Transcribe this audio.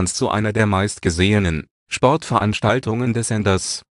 zu einer der meistgesehenen Sportveranstaltungen des Senders